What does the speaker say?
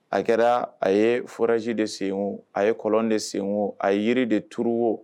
A kɛra a ye furaji de sen a ye kɔlɔn de sen o a yiri de tuuru o